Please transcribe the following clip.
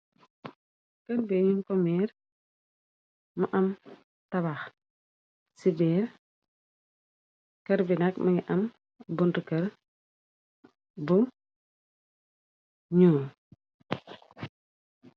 kër bee nuñ ko meer ma am tabaax ci beer kër binak ma ngi am bontu kër bom ñoo